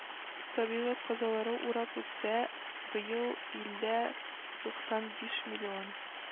Табигать казалары урап үтсә, быел илдә 95 млн